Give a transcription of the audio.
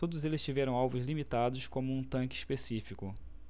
todos eles tiveram alvos limitados como um tanque específico